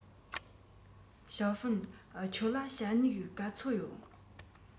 ཞའོ ཧུང ཁྱོད ལ ཞྭ སྨྱུག ག ཚོད ཡོད